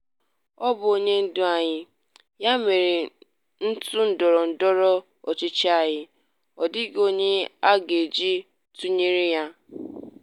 Ọ bụ onye ndu anyị, ya mere n'òtù ndọrọndọrọ ọchịchị anyị, ọ dịghị onye a ga-eji tụnyere ya.